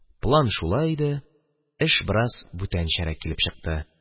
План шулай иде, эш бераз бүтәнчәрәк килеп чыкты.